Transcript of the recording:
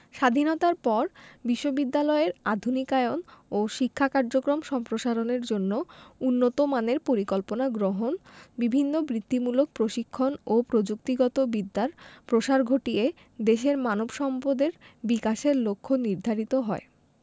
স্বাধীনতার পর বিশ্ববিদ্যালয়ের আধুনিকায়ন ও শিক্ষা কার্যক্রম সম্প্রসারণের জন্য উন্নতমানের পরিকল্পনা গ্রহণ বিভিন্ন বৃত্তিমূলক প্রশিক্ষণ ও প্রযুক্তিগত বিদ্যার প্রসার ঘটিয়ে দেশের মানব সম্পদের বিকাশের লক্ষ্য নির্ধারিত হয়